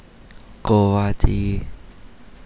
โกวาจี